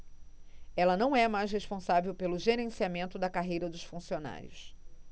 ela não é mais responsável pelo gerenciamento da carreira dos funcionários